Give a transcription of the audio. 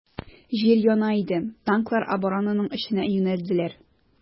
Җир яна иде, танклар оборонаның эченә юнәлделәр.